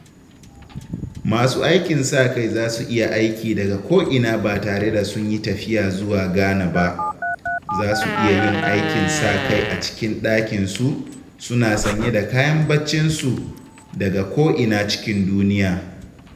Masu aikin sa-kai za su iya aiki daga ko ina ba tare da sun yi tafiya zuwa Ghana ba; za su iya yin aikin sa-kai a cikin ɗakin su suna sanye da kayan baccin su daga ko'ina cikin duniya.